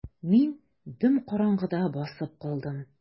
Мин дөм караңгыда басып калдым.